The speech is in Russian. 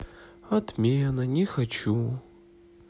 отмена не хочу